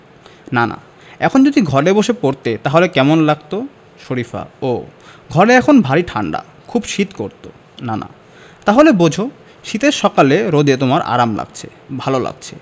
নানা এখন যদি ঘরে বসে পড়তে তাহলে কেমন লাগত শরিফা ওহ ঘরে এখন ভারি ঠাণ্ডা খুব শীত করত নানা তা হলেই বোঝ শীতের সকালে রোদে তোমার আরাম লাগছে ভালো লাগছে